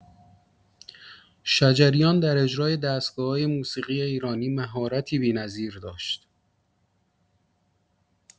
شجریان در اجرای دستگاه‌های موسیقی ایرانی مهارتی بی‌نظیر داشت.